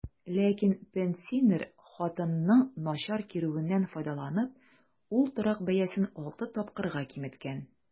Ләкин, пенсинер хатынның начар күрүеннән файдаланып, ул торак бәясен алты тапкырга киметкән.